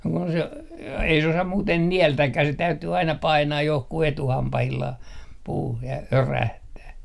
no kun se ei se osaa muuten nielläkään se täytyy aina painaa johonkin etuhampaillaan puuhun ja örähtää